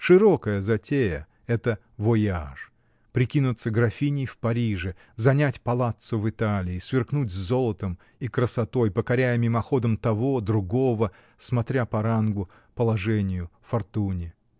Широкая затея — это вояж: прикинуться графиней в Париже, занять палаццо в Италии, сверкнуть золотом и красотой, покоряя мимоходом того, другого, смотря по рангу, положению, фортуне.